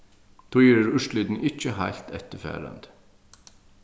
tí eru úrslitini ikki heilt eftirfarandi